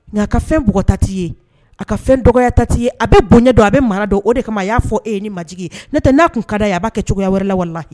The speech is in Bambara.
Nka a ka fɛn bɔgɔta ti ye a ka fɛn dɔgɔyata ti ye a bɛ bonya dɔn a bɛ mara dɔn . O de kama a ya fɔ ni bonya ye ni ma jigi ye no tɛ a kun ba kɛ cogoya wɛrɛ la walayi